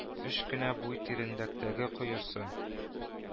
Өч кенә буй тирәнлектәге коесы